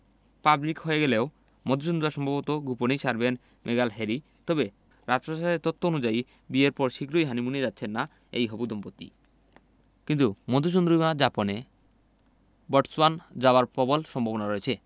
public হয়ে গেলেও মধুচন্দ্রিমা যথাসম্ভব গোপনেই সারবেন মেগান হ্যারি তবে রাজপ্রাসাদের তথ্য অনুযায়ী বিয়ের পর শিগগিরই হানিমুনে যাচ্ছেন না এই হবু দম্পতি কিন্তু মধুচন্দ্রিমা যাপনে বটসওয়ানা যাওয়ার প্রবল সম্ভাবনা রয়েছে